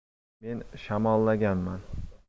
men shamollaganman